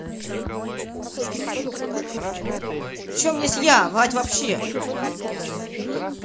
причем есть я врать вообще